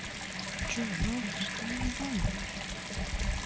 джой малыш ты меня волнуешь